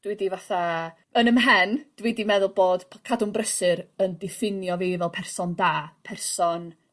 Dwi 'di fatha yn 'ym mhen dwi 'di meddwl bod p- cadw'n brysur yn diffinio fi fel person da person...